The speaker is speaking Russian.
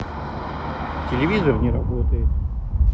телевизор не работает